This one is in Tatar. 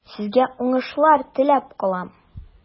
Сезгә уңышлар теләп калам.